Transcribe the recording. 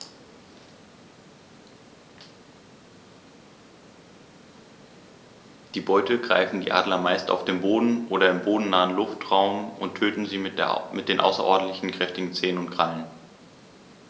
Die Beute greifen die Adler meist auf dem Boden oder im bodennahen Luftraum und töten sie mit den außerordentlich kräftigen Zehen und Krallen.